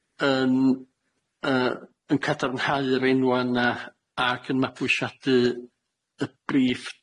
yn yy yn cadarnhau'r enwa' yna ac yn mabwysiadu y briff